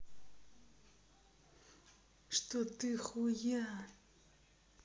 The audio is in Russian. что ты хуя